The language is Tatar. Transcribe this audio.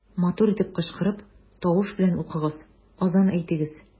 Матур итеп кычкырып, тавыш белән укыгыз, азан әйтегез.